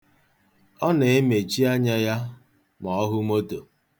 Ọ na-emechi anya ya ma ọ hụ moto.